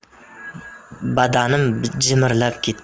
badanim jimirlab ketdi